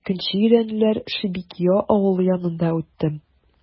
Икенче өйрәнүләр Шебекиио авылы янында үтте.